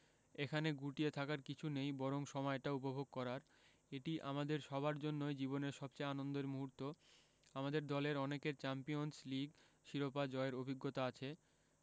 এখানে গুটিয়ে থাকার কিছু নেই বরং সময়টা উপভোগ করার এটি আমাদের সবার জন্যই জীবনের সবচেয়ে আনন্দের মুহূর্ত আমাদের দলের অনেকের চ্যাম্পিয়নস লিগ শিরোপা জয়ের অভিজ্ঞতা আছে